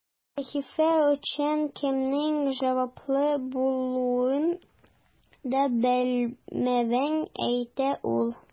Сәхифә өчен кемнең җаваплы булуын да белмәвен әйтте ул.